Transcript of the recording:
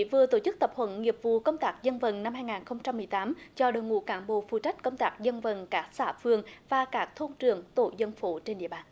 vừa tổ chức tập huấn nghiệp vụ công tác dân vận năm hai ngàn không trăm mười tám cho đội ngũ cán bộ phụ trách công tác dân vận các xã phường và các thôn trưởng tổ dân phố trên địa bàn